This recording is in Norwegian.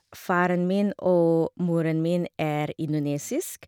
Faren min og moren min er indonesisk.